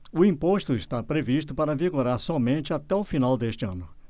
o imposto está previsto para vigorar somente até o final deste ano